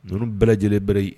Ninnu bɛɛ lajɛlen bɛ yen